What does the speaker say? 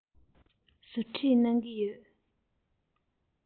ཟུར ཁྲིད གནང གི ཡོད